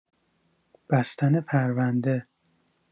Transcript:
بستن پرونده